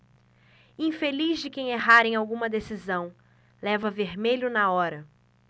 infeliz de quem errar em alguma decisão leva vermelho na hora